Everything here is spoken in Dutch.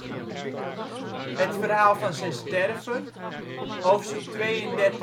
verhaal van zijn sterven (hoofdstuk 32:48-52